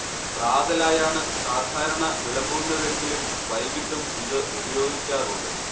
പ്രാതലായാണ് സാധാരണ വിളമ്പുന്നതെങ്കിലും വൈകീട്ടും ഇത് ഉപയോഗിക്കാറുണ്ട്